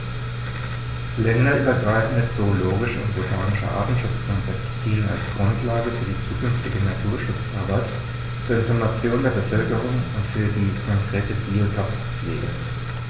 Länderübergreifende zoologische und botanische Artenschutzkonzepte dienen als Grundlage für die zukünftige Naturschutzarbeit, zur Information der Bevölkerung und für die konkrete Biotoppflege.